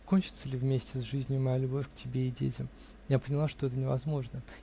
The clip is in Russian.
Кончится ли вместе с жизнью моя любовь к тебе и детям? Я поняла, что это невозможно.